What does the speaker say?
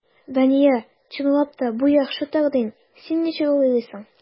Дания, чынлап та, бу яхшы тәкъдим, син ничек уйлыйсың?